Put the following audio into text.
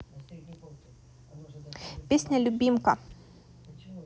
песня любимка